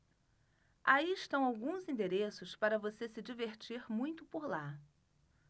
aí estão alguns endereços para você se divertir muito por lá